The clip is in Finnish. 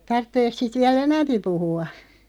tarvitseeko siitä vielä enempi puhua